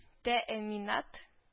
Тәэминат